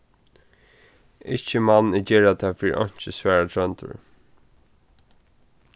ikki man eg gera tað fyri einki svarar tróndur